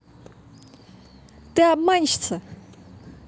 ты обманщица